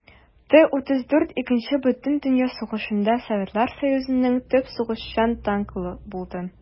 Т-34 Икенче бөтендөнья сугышында Советлар Союзының төп сугышчан танкы булды.